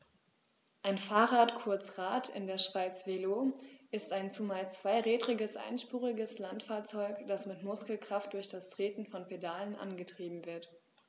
Ein Fahrrad, kurz Rad, in der Schweiz Velo, ist ein zumeist zweirädriges einspuriges Landfahrzeug, das mit Muskelkraft durch das Treten von Pedalen angetrieben wird.